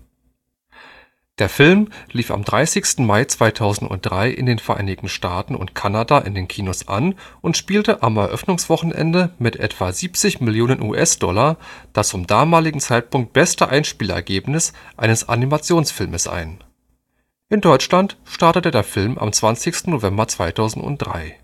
Der Film lief am 30. Mai 2003 in den Vereinigten Staaten und Kanada in den Kinos an und spielte am Eröffnungswochenende mit etwa 70 Millionen US-Dollar das zum damaligen Zeitpunkt beste Einspielergebnis eines Animationsfilms ein. In Deutschland startete der Film am 20. November 2003